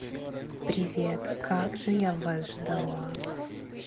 привет как же я вас ждала